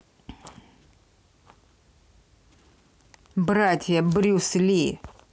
братья брюс ли